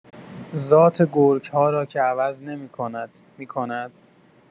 ذات گرگ‌ها را که عوض نمی‌کند، می‌کند؟